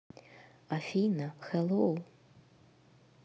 афина хэллоу